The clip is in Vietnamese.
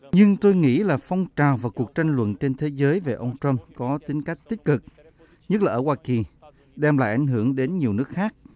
nhưng tôi nghĩ là phong trào và cuộc tranh luận trên thế giới về ông troăm có tính cách tích cực nhất là ở hoa kỳ đem lại ảnh hưởng đến nhiều nước khác